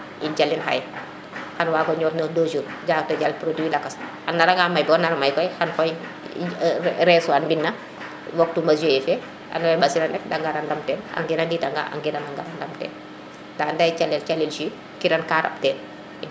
in jalin xaye xano wago ñotnu 2 jours ja te jal produit lakas a nara nga may ba naro may koy xan xooy rees wa mbina mbog tuma Gie fe ando naye ɓasil a ndef a ngara ndam teen a ngiradi danga a ngiran a ngar a ndam teen nda anda ye calel jus kiran ka raɓ teen